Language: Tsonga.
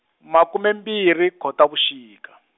makume mbirhi Khotavuxika.